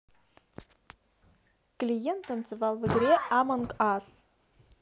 клиент танцевал в игре among us